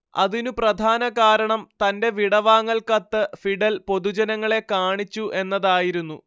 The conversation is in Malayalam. അതിനു പ്രധാനകാരണം തന്റെ വിടവാങ്ങൽ കത്ത് ഫിഡൽ പൊതുജനങ്ങളെ കാണിച്ചു എന്നതായിരുന്നു